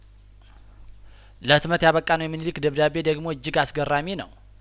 ለህትመት ያበቃ ነው የሚንሊክ ደብዳቤ ደግሞ እጅግ አስገራሚ ነው